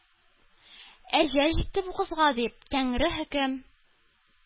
«әҗәл җитте бу кызга!»— дип, тәңре хөкем